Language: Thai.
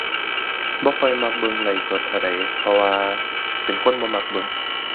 บ่ค่อยมักเบิ่งไลฟ์สดเท่าใด เพราะว่าเป็นคนบ่มักเบิ่ง